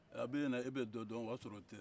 a b'e ɲɛna k'e bɛ dɔ dɔn kasɔr'o tɛ